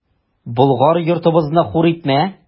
Болгар йортыбызны хур итмә!